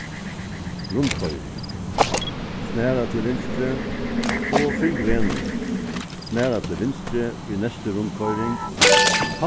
rundkoyring snara til vinstru og fylg vegnum snara til vinstru í næstu rundkoyring